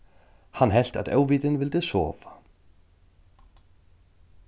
hann helt at óvitin vildi sova